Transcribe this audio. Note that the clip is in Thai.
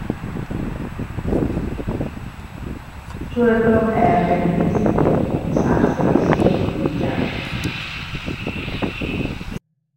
ช่วยเพิ่มแอร์เป็นยี่สิบเจ็ดองศาเซลเซียสทีจ้ะ